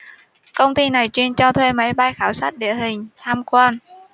công ty này chuyên cho thuê máy bay khảo sát địa hình tham quan